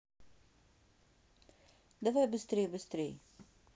давай быстрей быстрей